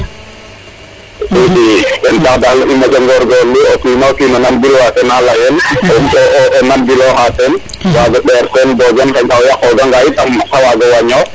ndiki ten tax dal i moƴo ngorgorlu o kino kiin o nan gilwa kena leyel o nan giloxa ten wago ɓeer ten bo jef lakas o yaqonda nga yitam a wago wañox